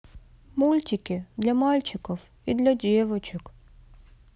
мультики для мальчиков и для девочек